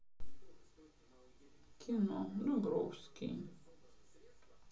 кино дубровский